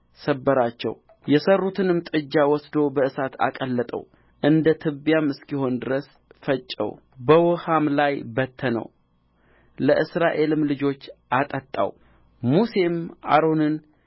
ሰበራቸው የሠሩትንም ጥጃ ወስዶ በእሳት አቀለጠው እንደ ትቢያም እስኪሆን ድረስ ፈጨው በውኃውም ላይ በተነው ለእስራኤልም ልጆች አጠጣው ሙሴም አሮንን